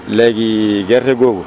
léegi gerte googu